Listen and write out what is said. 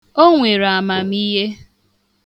O nwere amamihe.